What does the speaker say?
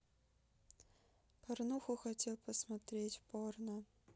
порнуху хотел посмотреть порно